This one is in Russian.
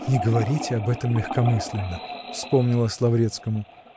"Не говорите об этом легкомысленно", -- вспомнилось Лаврецкому.